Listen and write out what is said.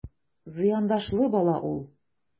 Зыяндашлы бала ул...